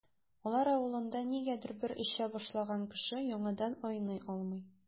Алар авылында, нигәдер, бер эчә башлаган кеше яңадан айный алмый.